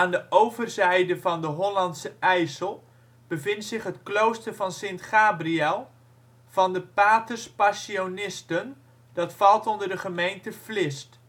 de overzijde van de Hollandse IJssel bevindt zich het klooster van Sint Gabriël van de paters Passionisten, dat valt onder de gemeente Vlist